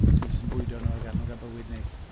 sy jyst yn bwydo nhw a gadael nhw gael bywyd neis.